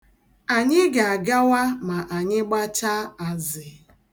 Anyị ga-agawa ma anyị gbachaa azị.